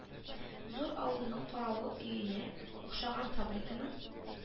Зур авылның каравыл өенә охшаган фабриканың